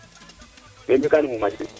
in de ka i nguma cegel